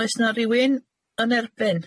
Oes 'na rywun yn erbyn?